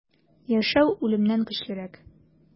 Яшәү үлемнән көчлерәк.